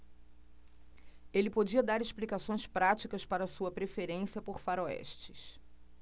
ele podia dar explicações práticas para sua preferência por faroestes